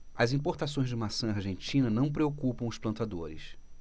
as importações de maçã argentina não preocupam os plantadores